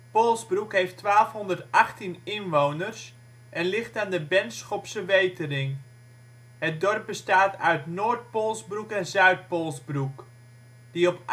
Polsbroek heeft 1218 inwoners (2006) en ligt aan de Benschopse Wetering. Het dorp bestaat uit Noord-Polsbroek en Zuid-Polsbroek, die op